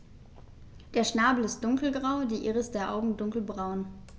Der Schnabel ist dunkelgrau, die Iris der Augen dunkelbraun.